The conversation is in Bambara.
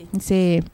Nse